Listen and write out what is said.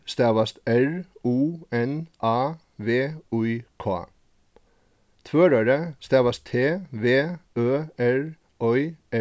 stavast r u n a v í k tvøroyri stavast t v ø r oy